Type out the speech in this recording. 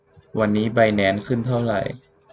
วันนี้ไบแนนซ์ขึ้นเท่าไหร่